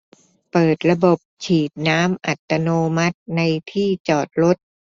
เปิดระบบฉีดน้ำอัตโนมัติในที่จอดรถ